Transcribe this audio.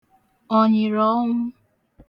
ọ̀nyị̀rọ̀ọnwụ